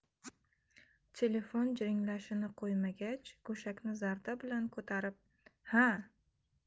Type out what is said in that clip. telefon jiringlashini qo'ymagach go'shakni zarda bilan ko'tarib ha